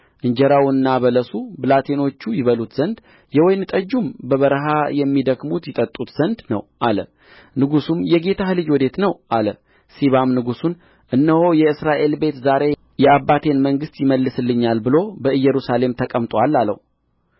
እንጀራውና በለሱ ብላቴኖቹ ይበሉት ዘንድ የወይን ጠጁም በበረሀ የሚደክሙት ይጠጡት ዘንድ ነው አለ ንጉሡም የጌታህ ልጅ ወዴት ነው አለ ሲባም